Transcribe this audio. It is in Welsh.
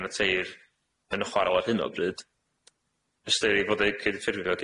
ganiateir yn chwaral ar hyn o bryd ystyrir fod cydyffurfio